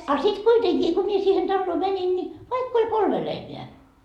a sitten kuitenkin kun minä siihen taloon menin niin vaikka oli kolme lehmää